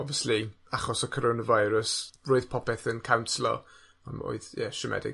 obviously achos y Coronavirus roedd popeth yn canslo yym oedd, ie, siomedig.